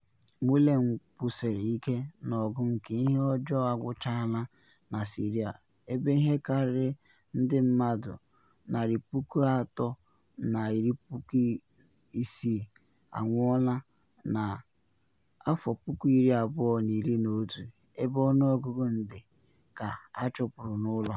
Moualem kwusiri ike na “ọgụ nke ihe ụjọ agwụchaala” na Syria, ebe ihe karịrị ndị mmadụ 360,000 anwụọla na 2011, ebe ọnụọgụ nde ka achụpụrụ n’ụlọ ha.